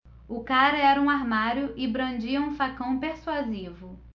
o cara era um armário e brandia um facão persuasivo